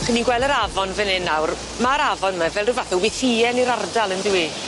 'Chy ni'n gweld yr afon fan 'yn nawr ma'r afon 'my fel ryw fath o wythïen i'r ardal yndyw i?